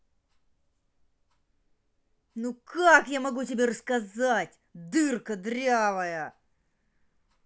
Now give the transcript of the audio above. ну как я тебе могу рассказать дырка дрявая